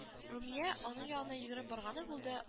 Румия аның янына йөгереп барганы булды